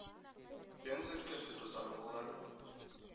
Пенза өлкәсе татар авыллары